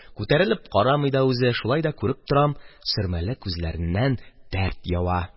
Күтәрелеп карамый да үзе, шулай да күреп торам: сөрмәле күзләреннән дәрт ява.